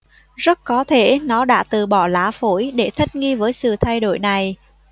rất có thể nó đã từ bỏ lá phổi để thích nghi với sự thay đổi này